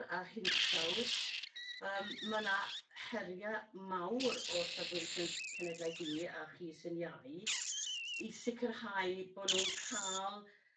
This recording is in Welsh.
a hinsawdd yrm ma 'na heria' mawr o safbwynt 'yn cenhedlaeth i a chi sy'n iau i sicrhau bo' nhw'n ca'l